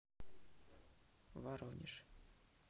воронеж